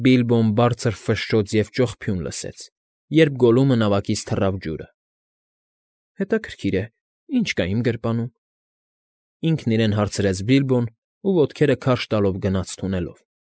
Բիլբոն բարձր ֆշշոց և ճողփյուն լսեց, երբ Գոլլումը նավակից թռավ ջուրը։ ֊ Հետաքրքիր է, ի՞նչ կա իմ գրպանում,֊ ինքն իրեն հարցերց Բիլբոն ու ոտքերը քարշ տալով գնաց թունելով։